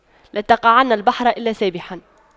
لا تقعن البحر إلا سابحا